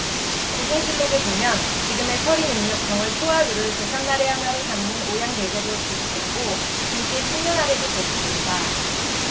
고종실록 을 보면 지금의 설인 음력 정월초하루를 제삿날의 하나로 삼는 오향대제도 지속됐고 동지의 신년하례도 계속됐다